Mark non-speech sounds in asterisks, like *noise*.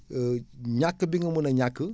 *hesitation* ñàkk bi nga mun a ñàkk